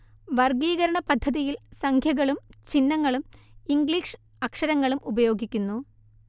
വർഗ്ഗീകരണ പദ്ധതിയിൽ സംഖ്യകളും ചിഹ്നങ്ങളും ഇംഗ്ലീഷ് അക്ഷരങ്ങളും ഉപയോഗിക്കുന്നു